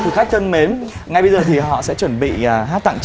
thực khách thân mến ngay bây giờ thì họ sẽ chuẩn bị à hát tặng